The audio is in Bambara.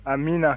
amiina